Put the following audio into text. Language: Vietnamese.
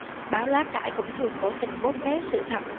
báo lá cải cũng thường cố tình bóp méo sự thật